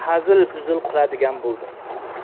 ham hazil huzul qiladigan bo'ldim